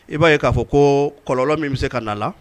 I b'a ye k'a fɔ ko kɔlɔlɔ min bɛ se ka n'a la